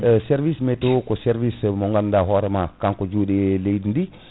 eyyi service météo ko service mo ganduɗa hoorema kanko joɗi e leydi ndi